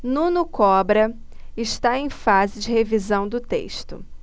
nuno cobra está em fase de revisão do texto